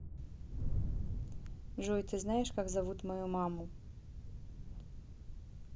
джой ты знаешь как зовут мою маму